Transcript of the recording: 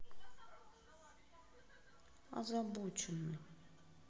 озабоченный